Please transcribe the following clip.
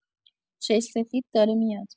چش سفید داره میاد